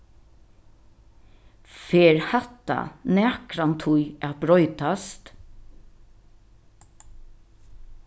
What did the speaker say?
fer hatta nakrantíð at broytast